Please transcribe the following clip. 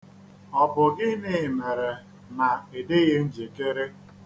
Ọ bụ gịnị mere na ị dịgbeghị njikere?